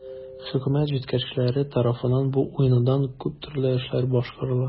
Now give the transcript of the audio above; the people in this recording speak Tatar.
Хөкүмәт, җитәкчеләр тарафыннан бу уңайдан күп төрле эшләр башкарыла.